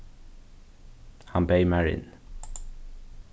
hann beyð mær inn